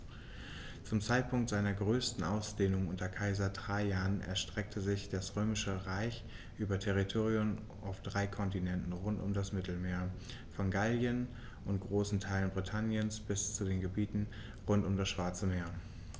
Zum Zeitpunkt seiner größten Ausdehnung unter Kaiser Trajan erstreckte sich das Römische Reich über Territorien auf drei Kontinenten rund um das Mittelmeer: Von Gallien und großen Teilen Britanniens bis zu den Gebieten rund um das Schwarze Meer.